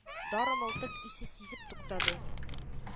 Дары-мылтык исе сизеп туктады